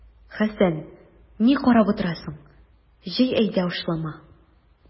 Хәсән, ни карап торасың, җый әйдә ашлама!